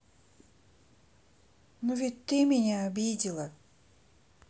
но ведь ты меня обидела